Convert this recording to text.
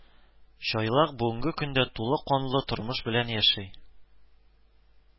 Чайлак бүгенге көндә тулы канлы тормыш белән яши